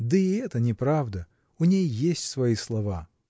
Да и это неправда: у ней есть свои слова.